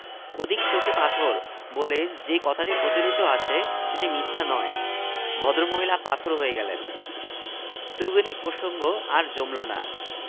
অধিক শোকে পাথর বলে যে কথাটা প্রচলিত আছে সেটি মিথ্যা নয় ভদ্র মহিলা পাথর হয়ে গেলেন তুর্গেনিভ প্রসঙ্গ আর জমল না